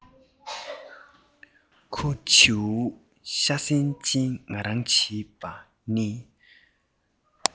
ཁོ བྱེད ཅིང བྱིའུ ཤ ཟ མཁན ང རང བྱེད པ ནི